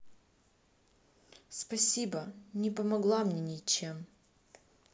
спасибо не помогла мне ничем